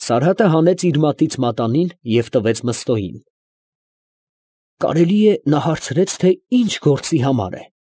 Սարհատը հանեց իր մատից մատանին և տվեց Մըստոյին։ ֊ Կարելի է նա հարցրեց, թե ի՞նչ գործի համար է։ ֊